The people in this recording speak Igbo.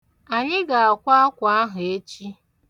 Anyị ga-akwa akwa ahụ echi.